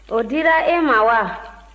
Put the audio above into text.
o dira e ma wa